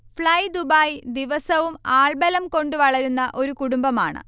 fly Dubai ദിവസവും ആൾബലം കൊണ്ട് വളരുന്ന ഒരു കുടുംബമാണ്